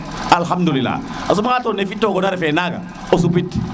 alhadulilah a soɓa nga ne fi to gona refe naga o supit